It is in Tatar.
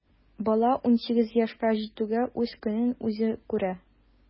Бала унсигез яшькә җитүгә үз көнен үзе күрә.